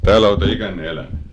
täällä olette ikänne elänyt